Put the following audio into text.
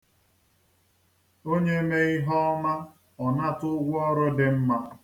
Onye mee ihe ọma ọ nata ụgwọọrụ dị mma.